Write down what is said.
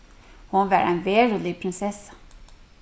hon var ein verulig prinsessa